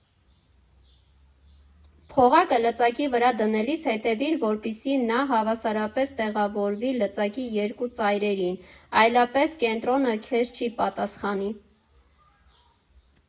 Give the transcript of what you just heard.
Փողակը լծակի վրա դնելիս հետևի՛ր, որպեսզի նա հավասարապես տեղավորվի լծակի երկու ծայրերին, այլապես կենտրոնը քեզ չի պատասխանի։